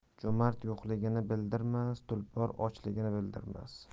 jo'mard yo'qligini bildirmas tulpor ochligini bildirmas